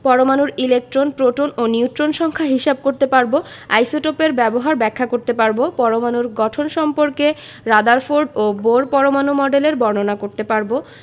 ⦁ পরমাণুর electron proton ও neutron সংখ্যা হিসাব করতে পারব ⦁ আইসোটোপের ব্যবহার ব্যাখ্যা করতে পারব ⦁ পরমাণুর গঠন সম্পর্কে রাদারফোর্ড ও বোর পরমাণু মডেলের বর্ণনা করতে পারব